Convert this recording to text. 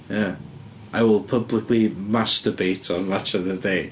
Ie. I will publicly masturbate on Match of the Day.